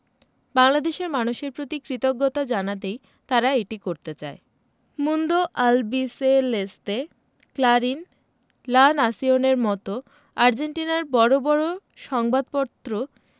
বাংলাদেশের মানুষের প্রতি কৃতজ্ঞতা জানাতেই তারা এটি করতে চায় Mundo Albiceleste Clarin La Nacion র মতো আর্জেন্টিনার বড় বড় সংবাদপত্র